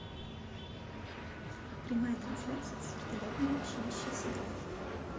прямая трансляция с вертолетного училища сыграй